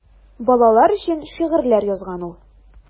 Балалар өчен шигырьләр язган ул.